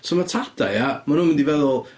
So, ma' tadau, ia, maen nhw'n mynd i feddwl...